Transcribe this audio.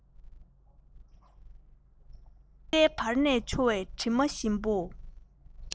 སྨན རྩྭའི བར ནས འཕྱོ བའི དྲི མ ཞིམ པོ